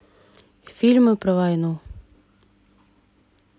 фильмы про войну